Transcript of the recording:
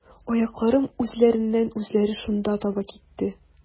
Аякларым үзләреннән-үзләре шунда таба китте.